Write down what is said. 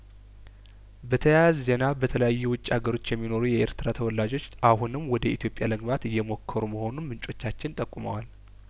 በተያያዘ ዜና በተለያዩ ውጭ ሀገሮች የሚኖሩ የኤርትራ ተወላጆች አሁንም ወደ ኢትዮጵያ ለመግባት እየሞከሩ መሆኑን ምንጮቻችን ጠቁመዋል